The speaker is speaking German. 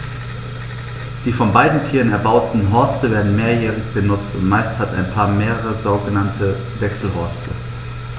Die von beiden Tieren erbauten Horste werden mehrjährig benutzt, und meist hat ein Paar mehrere sogenannte Wechselhorste.